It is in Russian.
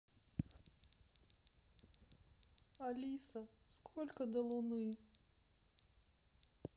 алиса сколько до луны